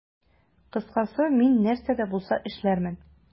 Кыскасы, мин нәрсә дә булса эшләрмен.